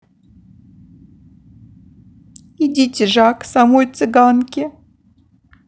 идите жак самой цыганки